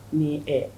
Nin ɛɛ